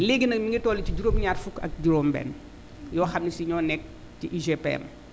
léegi nag ñu ngi toll ci juróom ñaar fukk ak juróom benn yoo xam ne si ñoo nekk ci UGPM